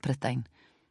Prydain.